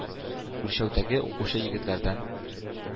Үлчәүдәге укучы егетләрдән,